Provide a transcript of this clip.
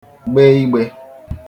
gbe igbē